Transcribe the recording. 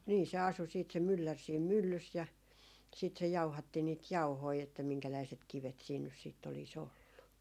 niin se asui sitten se mylläri siinä myllyssä ja sitten se jauhatti niitä jauhoja että minkäläiset kivet siinä nyt sitten olisi ollut